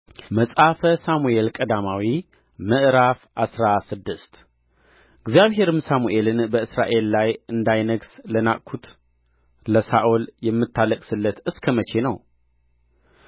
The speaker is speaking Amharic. መጽሐፈ ሳሙኤል ቀዳማዊ ምዕራፍ አስራ ስድስት እግዚአብሔርም ሳሙኤልን በእስራኤል ላይ እንዳይነግሥ ለናቅሁት ለሳኦል የምታለቅስለት እስከ መቼ ነው